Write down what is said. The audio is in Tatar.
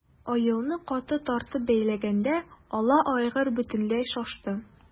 Аелны каты тартып бәйләгәндә ала айгыр бөтенләй шашты.